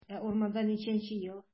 Ә урамда ничәнче ел?